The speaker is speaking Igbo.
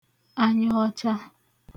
anyọọcha